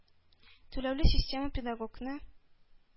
Түләүле система педагогны